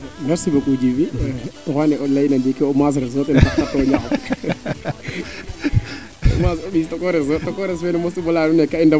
merci beaucoup Djiby o xana leyna ndiiki o maasreso ten taxu te tooña xam o mbiy tokoreso tokores fe mos uma leyaa nuun ne ka i ndam un